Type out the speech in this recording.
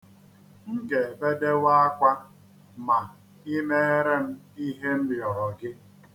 M ga-ebedewe akwa ma i meere m ihe m rịọrọ gị.